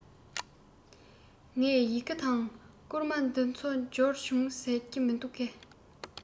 ངའི ཡི གེ དང བསྐུར མ དེ ཚོ འབྱོར བྱུང ཟེར གྱི མི འདུག གས